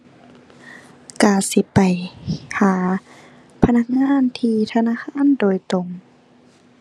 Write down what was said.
ก็สิไปหาพนักงานที่ธนาคารโดยตรง